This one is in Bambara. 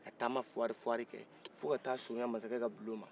ka taama fuwari-fuwari kɛ fo ka taa se masakɛ ka bulon ma